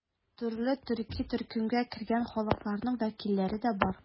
Төрле төрки төркемгә кергән халыкларның вәкилләре дә бар.